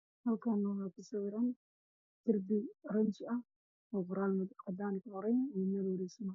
Halkaan waxaa kusawiran darbiga oranji ah oo qoraal cadaan iyo madow kuqoran yahay.